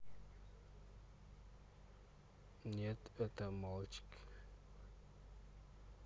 это девочка